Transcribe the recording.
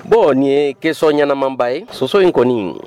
Bɔn nin ye kesɔnon ɲɛnamanba ye soso in kɔni ye